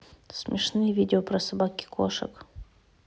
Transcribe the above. смешные видео про собак и кошек